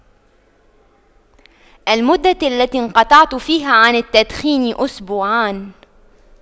المدة التي انقطعت فيها عن التدخين أسبوعان